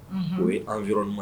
O ye anzy